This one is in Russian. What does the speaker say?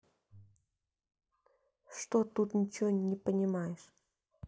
что тут ничего не понимаешь